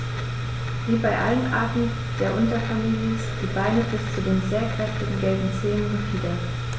Wie bei allen Arten der Unterfamilie sind die Beine bis zu den sehr kräftigen gelben Zehen befiedert.